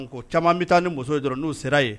Caman bɛ taa ni muso ye dɔrɔn n'u sera yen.